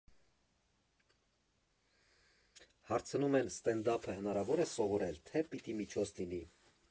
Հարցնում են՝ ստենդափը հնարավո՞ր է սովորել, թե՞ պիտի միջից լինի։